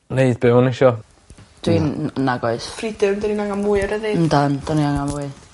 neud be' ma' n'w isio. Dwi'n... N- nagoes. Freedom 'dyn ni'n angan mwy o ryddid. Yndan 'dan ni angan mwy.